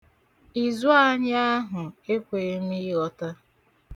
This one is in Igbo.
Izu anyị ahụ ekweghị m ịghọta.